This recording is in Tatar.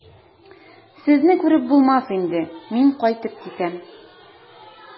Сезне күреп булмас инде, мин кайтып китәм.